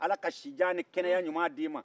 ala ka sijan ni kɛnɛya ɲuman d'i ma